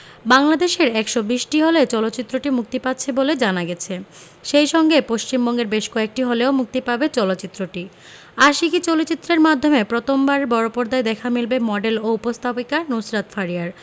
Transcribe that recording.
বাংলাদেশের ১২০টি হলে চলচ্চিত্রটি মুক্তি পাচ্ছে বলে জানা গেছে সেই সঙ্গে পশ্চিমবঙ্গের বেশ কয়েকটি হলেও মুক্তি পাবে চলচ্চিত্রটি আশিকী চলচ্চিত্রের মাধ্যমে প্রথমবার বড়পর্দায় দেখা মিলবে মডেল ও উপস্থাপিকা নুসরাত ফারিয়ার